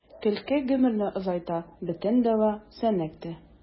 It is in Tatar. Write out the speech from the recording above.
Көлке гомерне озайта — бөтен дәва “Сәнәк”тә.